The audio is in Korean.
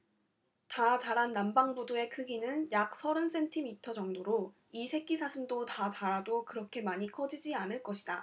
다 자란 남방부두의 크기는 약 서른 센티미터 정도로 이 새끼사슴도 다 자라도 그렇게 많이 커지지 않을 것이다